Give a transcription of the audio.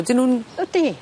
Odyn nw'n... Ydi.